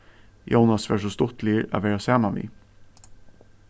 jónas var so stuttligur at vera saman við